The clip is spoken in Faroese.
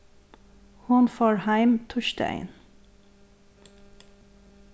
hon fór heim týsdagin